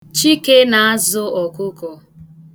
Chike na-azụ ọkụkọ.